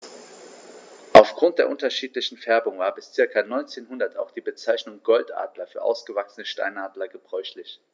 Auf Grund der unterschiedlichen Färbung war bis ca. 1900 auch die Bezeichnung Goldadler für ausgewachsene Steinadler gebräuchlich.